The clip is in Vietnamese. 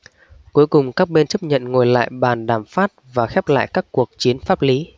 cuối cùng các bên chấp nhận ngồi lại bàn đàm phát và khép lại các cuộc chiến pháp lý